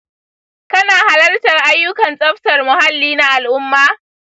kana halartar ayyukan tsaftar muhalli na al’umma?